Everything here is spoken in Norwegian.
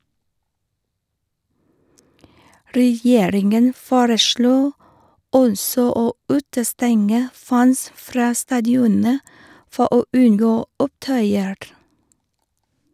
Regjeringen foreslår også å utestenge fans fra stadioner for å unngå opptøyer.